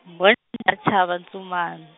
mbho- chava tsuman-.